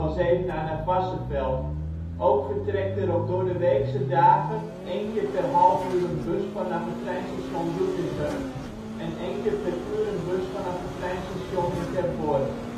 Zevenaar-Varsseveld). Ook vertrekt er op doordeweekse dagen één keer per half uur een bus vanaf het treinstation Doetinchem en één keer per uur een bus vanaf het treinstation in Terborg